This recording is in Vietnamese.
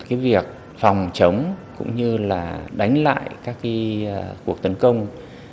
cái việc phòng chống cũng như là đánh lại các cái cuộc tấn công